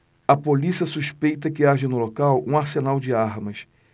a polícia suspeita que haja no local um arsenal de armas